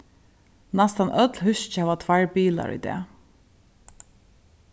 næstan øll húski hava tveir bilar í dag